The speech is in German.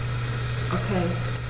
Okay.